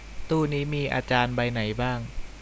ตู้นี้มีอาจารย์ใบไหนบ้าง